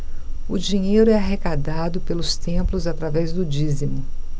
o dinheiro é arrecadado pelos templos através do dízimo